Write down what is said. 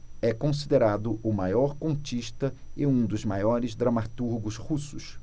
é considerado o maior contista e um dos maiores dramaturgos russos